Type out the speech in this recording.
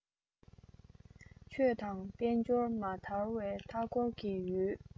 ཆོས དང དཔལ འབྱོར མ དར བའི མཐའ འཁོར གྱི ཡུལ